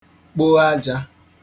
kpo aja